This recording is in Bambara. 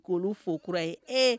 Koloolu fo kura ye e